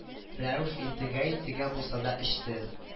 Рәүф интегә-интегә булса да эчте